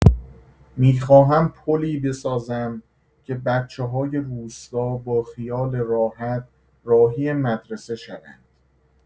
می‌خواهم پلی بسازم که بچه‌های روستا با خیال راحت راهی مدرسه شوند.